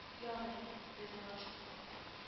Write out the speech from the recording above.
— ярый. — дип ризалашты доктор